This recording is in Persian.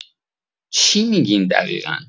چی می‌گین دقیقا